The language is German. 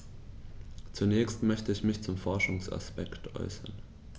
Zunächst möchte ich mich zum Forschungsaspekt äußern.